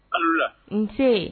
A ni wula. Un see.